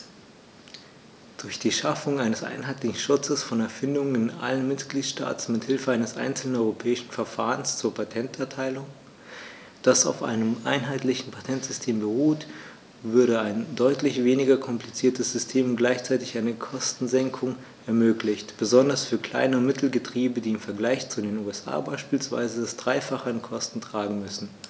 Durch die Schaffung eines einheitlichen Schutzes von Erfindungen in allen Mitgliedstaaten mit Hilfe eines einzelnen europäischen Verfahrens zur Patenterteilung, das auf einem einheitlichen Patentsystem beruht, würde ein deutlich weniger kompliziertes System und gleichzeitig eine Kostensenkung ermöglicht, besonders für Klein- und Mittelbetriebe, die im Vergleich zu den USA beispielsweise das dreifache an Kosten tragen müssen.